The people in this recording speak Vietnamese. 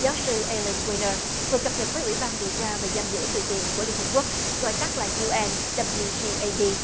giáo sư a len quei nơ vừa cập nhật với ủy ban điều tra và giam giữ tùy tiện của liên hiệp quốc gọi tắt là diu en đắp li diu ây đi